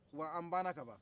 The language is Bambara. wa an banna ka ban